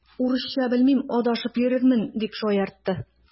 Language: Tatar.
Урысча белмим, адашып йөрермен, дип шаяртты.